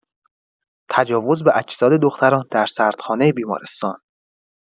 تجاوز به اجساد دختران در سردخانه بیمارستان